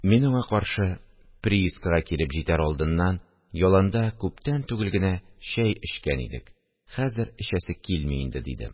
Мин аңа каршы: – Приискага килеп җитәр алдыннан яланда күптән түгел генә чәй эчкән идек, хәзер эчәсе килми инде, – дидем